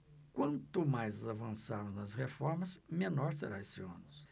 quanto mais avançarmos nas reformas menor será esse ônus